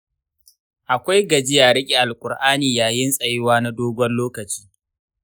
akwai gajiya riƙe alƙur'ani yayin tsayuwa na dogon lokaci.